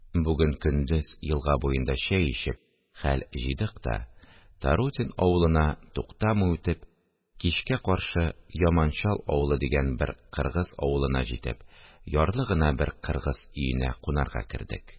Бүген көндез елга буенда чәй эчеп, хәл җыйдык та, Тарутин авылына туктамый үтеп, кичкә каршы Яманчал авылы дигән бер кыргыз авылына җитеп, ярлы гына бер кыргыз өенә кунарга кердек